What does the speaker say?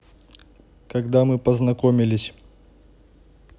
когда мы познакомились